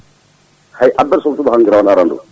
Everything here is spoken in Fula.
hay abbere soble tubak rawande arani ɗo